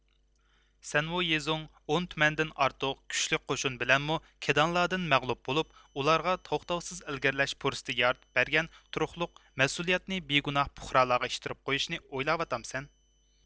سەنۋۇيىزۇڭ ئون تۈمەندىن ئارتۇق كۈچلۈك قوشۇن بىلەنمۇ كىدانلاردىن مەغلۇپ بولۇپ ئۇلارغا توختاۋسىز ئىلگىرلەش پۇرسىتى يارىتىپ بەرگەن تۇرۇقلۇق مەسئۇليەتنى بىگۇناھ پۇقرالارغا ئىتتىرىپ قويۇشنى ئويلاۋاتامسەن